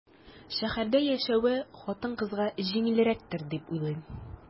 Шәһәрдә яшәве хатын-кызга җиңелрәктер дип уйлыйм.